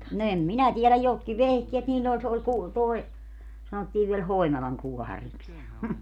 no en minä tiedä jotkin vehkeet niillä oli se oli - tuo sanottiin vielä Hoinalan kuohariksi ja